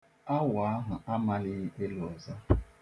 Awọ ahụ amalighị elu ọzọ.